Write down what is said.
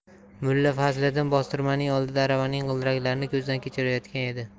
mulla fazliddin bostirmaning oldida aravaning g'ildiraklarini ko'zdan kechirayotgan edi